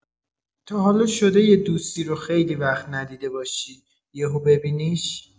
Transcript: تا حالا شده یه دوستی رو خیلی وقت ندیده باشی، یهو ببینیش؟